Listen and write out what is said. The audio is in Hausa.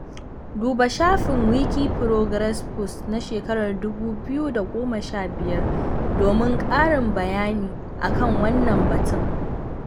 Duba shafin Wikiprogress post-2015 domin ƙarin bayani a kan wannan batun.